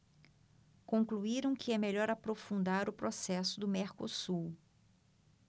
concluíram que é melhor aprofundar o processo do mercosul